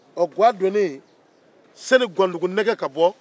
ɔɔ ga donnen yanni gɔndugunɛgɛ ka bɔ